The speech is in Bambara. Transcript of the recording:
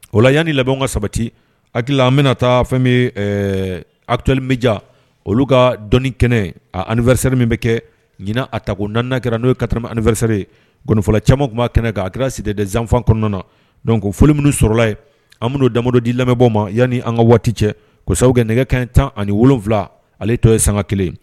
O la yanani labɛn ka sabati hakili la an bɛna taa fɛn ali bɛja olu ka dɔnni kɛnɛ a anifasɛri min bɛ kɛ ɲinina a ta ko na kɛra n'o ka taa ani2sɛre gɔnifɔ caman b'a kɛnɛ k' adira sidited zanfa kɔnɔna na don ko foli minnu sɔrɔlala ye ami amadu da di lamɛnbɔ ma yanani an ka waati cɛ kɔsa kɛ nɛgɛ kɛ tan ani wolonwula ale to ye sanga kelen